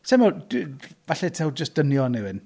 Sa i mo, d- falle taw jyst dynion yw hyn.